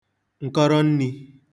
ǹkọrọnnī